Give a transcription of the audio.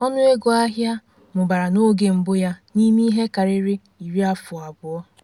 Ọnụego ahịa mụbara n'oge mbụ ya n'ime ihe karịrị iri afọ abụọ.